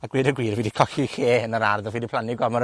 a gweud y gwir, wi 'di colli lle yn yr ardd, a fi 'di plannu gormod o